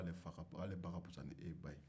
k'ale ba ka fisa n'e ba ye